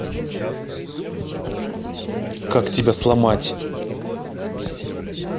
как тебя сломать